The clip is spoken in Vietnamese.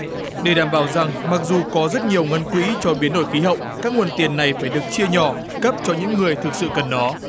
để đảm bảo rằng mặc dù có rất nhiều ngân quỹ cho biến đổi khí hậu các nguồn tiền này phải được chia nhỏ cấp cho những người thực sự cần nó